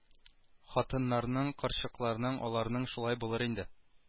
Хатыннарның карчыкларның аларның шулай булыр инде